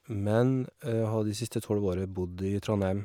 Men jeg har de siste tolv åra bodd i Trondheim.